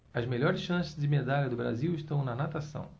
as melhores chances de medalha do brasil estão na natação